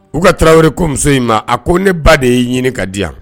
U ka taraweleri ko muso in ma a ko ne ba de y'i ɲini ka di yan